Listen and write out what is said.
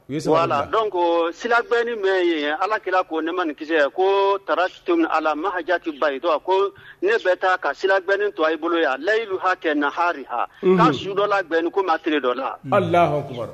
Dɔn ko siranen mɛn yen ala kirara ko ne ma ninkisɛsɛ ko taarato a ma hajatubayi to ko ne bɛ taa ka siranen to a' bolo yan a layidu hakɛ kɛ na ha ha' su dɔ lanen ko ma t dɔ la